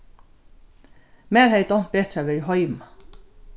mær hevði dámt betur at verið heima